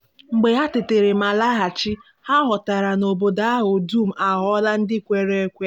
Mgbe ha tetara ma laghachi, ha ghọtara na obodo ahụ dum aghọọla ndị kwere ekwe.